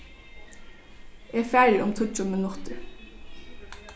eg fari um tíggju minuttir